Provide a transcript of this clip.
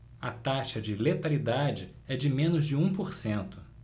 a taxa de letalidade é de menos de um por cento